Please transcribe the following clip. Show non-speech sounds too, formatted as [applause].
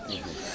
[hesitation] [hesitation]